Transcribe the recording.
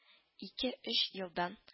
Ике-өч елдан